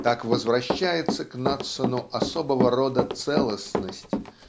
Так возвращается к Надсону особого рода целостность